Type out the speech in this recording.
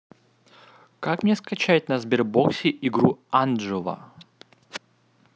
как мне скачать на сбербоксе игру анджела